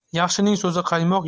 yaxshining so'zi qaymoq